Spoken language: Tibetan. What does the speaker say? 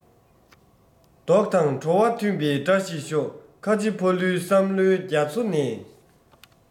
མདོག དང བྲོ བ མཐུན པའི བཀྲ ཤིས ཤོག ཁ ཆེ ཕ ལུའི བསམ བློའི རྒྱ མཚོ ནས